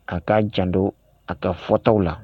A k'a jantoo a ka fɔtaw la